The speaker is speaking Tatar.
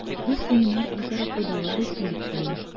Бу семинар үзара файдалы булсын дип телим.